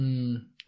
Hmm.